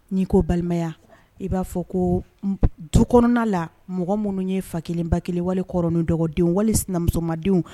N'i ko balimaya i b'a fɔ ko du kɔnɔnala mɔgɔ minnu ye fakelen ba kelen waliɔrɔn dɔgɔdenw wali sinamusomadenw